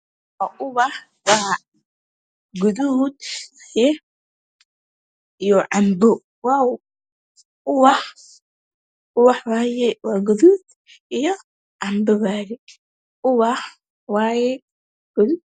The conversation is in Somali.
Waa ubax oo gadud ah iyo cambo